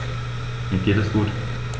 Mir geht es gut.